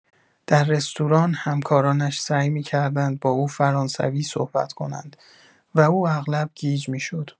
در رستوران، همکارانش سعی می‌کردند با او فرانسوی صحبت کنند و او اغلب گیج می‌شد.